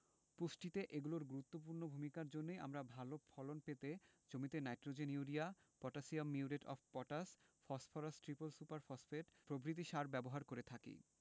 পুষ্টিতে এগুলোর গুরুত্বপূর্ণ ভূমিকার জন্যই আমরা ভালো ফলন পেতে জমিতে nitrogen urea potassium muriate of potash phosphorus triple super phosphate প্রভৃতি সার ব্যবহার করে থাকি